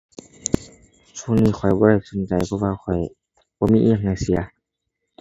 ช่วงนี้ข้อยบ่ได้สนใจ เพราะว่าข้อยบ่มีอิหยังให้เสีย